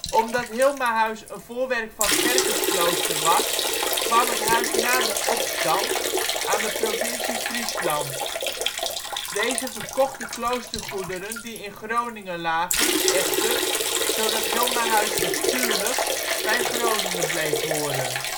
Omdat Hilmahuis een voorwerk van Gerkesklooster was kwam het huis na de Opstand aan de provincie Friesland. Deze verkocht de kloostergoederen die in Groningen lagen echter zodat Hilmahuis bestuurlijk bij Groningen bleef horen